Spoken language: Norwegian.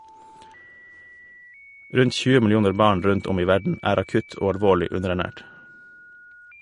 Rundt 20 millioner barn rundt om i verden er akutt og alvorlig underernært.